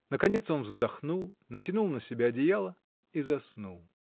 Наконец он вздохнул, натянул на себя одеяло и заснул.